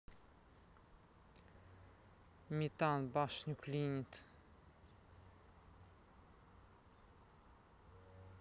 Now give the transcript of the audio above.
метан башню клинит